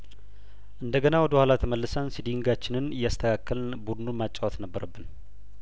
እንደ ገና ወደ ኋላ ተመልሰን ሲዲንጋችንን እያስተካከልን ቡድኑን ማጫወት ነበረብን